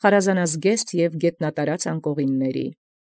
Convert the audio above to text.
Խարազնազգեստ և գետնատարած անկողնոց։